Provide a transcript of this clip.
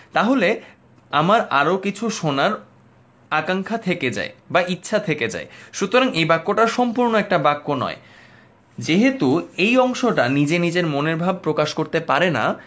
তাহলে আরো কিছু শোনার আকাঙ্ক্ষা থেকে যায় বা ইচ্ছা থেকে যায় সুতরাং এই বাক্যটা সম্পূর্ণ একটা বাক্য নয় যেহেতু এই অংশটা নিজে নিজের মনের ভাব প্রকাশ করতে পারে না